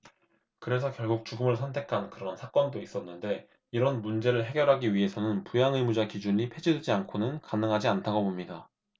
그래서 결국 죽음을 선택한 그런 사건도 있었는데 이런 문제를 해결하기 위해서는 부양의무자 기준이 폐지되지 않고는 가능하지 않다고 봅니다